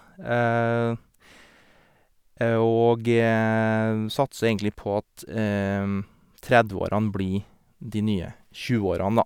Og satser egentlig på at trettiårene blir de nye tjueårene, da.